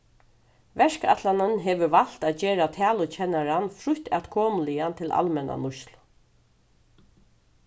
verkætlanin hevur valt at gera talukennaran frítt atkomuligan til almenna nýtslu